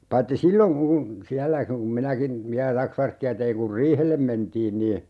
paitsi silloin kun siellä kun minäkin vielä taksvärkkiä tein kun riihelle mentiin niin